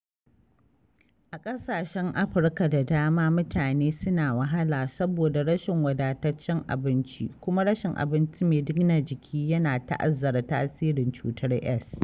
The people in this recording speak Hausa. A ƙasashen Afirka da dama mutane suna wahala saboda rashin wadataccen abinci kuma rashin abinci mai gina jiki yana ta'azzara tasirin cutar Es.